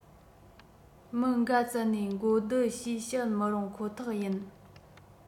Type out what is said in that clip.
མི འགའ བཙལ ནས མགོ སྡུང ཞེས བཤད མི རུང ཁོ ཐག ཡིན